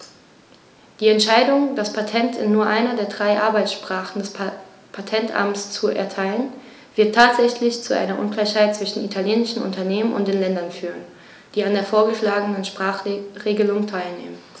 Die Entscheidung, das Patent in nur einer der drei Arbeitssprachen des Patentamts zu erteilen, wird tatsächlich zu einer Ungleichheit zwischen italienischen Unternehmen und den Ländern führen, die an der vorgeschlagenen Sprachregelung teilnehmen.